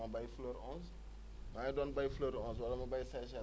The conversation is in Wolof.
ma béy fleur onze maa ngi doon béy fleur onze wala ma béy **